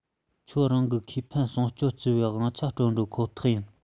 ཁྱེད རང གི ཁེ ཕན སྲུང སྐྱོང སྤྱི པའི དབང ཆ སྤྱོད འགྲོ ཁོ ཐག ཡིན